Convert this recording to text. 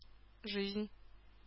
Жизнь